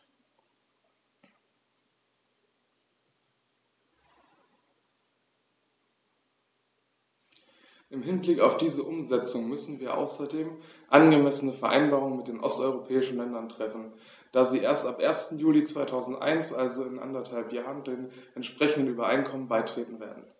Im Hinblick auf diese Umsetzung müssen wir außerdem angemessene Vereinbarungen mit den osteuropäischen Ländern treffen, da sie erst ab 1. Juli 2001, also in anderthalb Jahren, den entsprechenden Übereinkommen beitreten werden.